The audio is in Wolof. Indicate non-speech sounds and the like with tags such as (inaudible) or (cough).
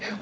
(hesitation)